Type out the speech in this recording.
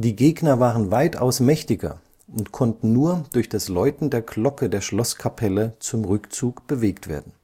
Gegner waren weitaus mächtiger und konnten nur durch das Läuten der Glocke der Schlosskapelle zum Rückzug bewegt werden